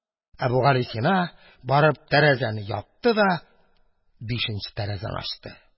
Әбүгалисина, барып, тәрәзәне япты да бишенче тәрәзәне ачты.